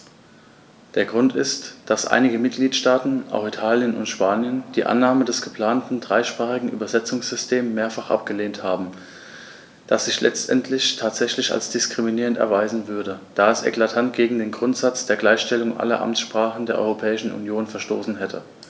Der Grund ist, dass einige Mitgliedstaaten - auch Italien und Spanien - die Annahme des geplanten dreisprachigen Übersetzungssystems mehrfach abgelehnt haben, das sich letztendlich tatsächlich als diskriminierend erweisen würde, da es eklatant gegen den Grundsatz der Gleichstellung aller Amtssprachen der Europäischen Union verstoßen hätte.